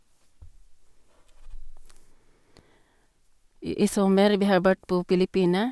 i I sommer vi har vært på Filippinene.